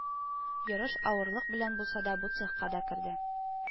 Ярыш авырлык белән булса да бу цехка да керде